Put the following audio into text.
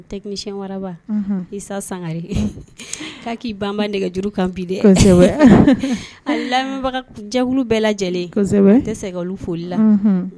Rabagare'a'i banba nɛgɛjuru kan bi lamɛn jakulu bɛɛ lajɛ lajɛlen tɛ foli la